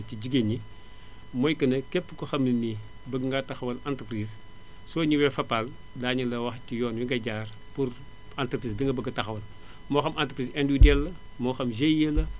ci jigéen ñi mooy que ne képp koo xam ne nii bëgg ngaa taxawal entreprise soo ñëwee Fapal daañu la wax ci yoon wi nga jaar pour entreprise bi nga bëgg a taxawal moo xam entreprise individuelle la moo xam GIE la